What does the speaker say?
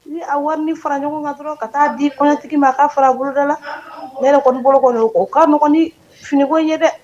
Ni wari ni fara ɲɔgɔn ka to ka taa di kɔɲɔtigi ma ka fara boloda la ne kɔni kɔnɔ ko kaɔgɔn ni finiko ye dɛ